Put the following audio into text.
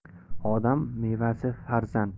odam mevasi farzand